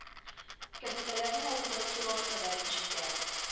Кәбестәләрнең авырлыгы килога кадәр итә